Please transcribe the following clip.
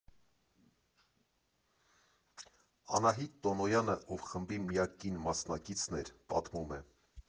Անահիտ Տոնոյանը, ով խմբի միակ կին մասնակիցն էր, պատմում է.